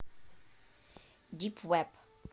deep web